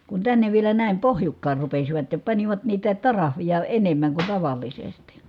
kun tänne vielä näin pohjukkaan rupesivat ja panivat niitä tariffeja enemmän kuin tavallisesti